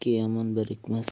ikki yomon birikmas